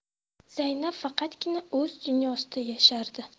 zaynab faqatgina o'z dunyosida yashardi